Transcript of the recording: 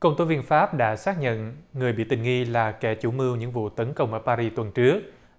công tố viên pháp đã xác nhận người bị tình nghi là kẻ chủ mưu những vụ tấn công ở pa ri tuần trước